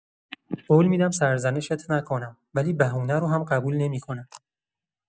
قول می‌دم سرزنشت نکنم، ولی بهونه رو هم قبول نمی‌کنم.